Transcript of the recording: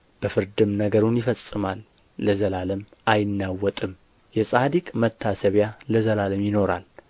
በፍርድም ነገሩን ይፈጽማል ለዘላለም አይናወጥም የጻድቅ መታሰቢያ ለዘላለም ይኖራል